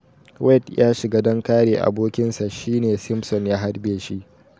Wayde ya shiga don kare abokinsa shi ne Simpson ya harbe shi.